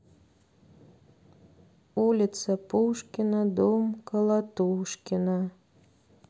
улица пушкина дом колотушкина